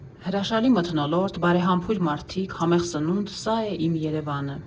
Հրաշալի մթնոլորտ, բարեմաբույր մարդիկ, համեղ սնունդ ֊ սա է իմ Երևանը։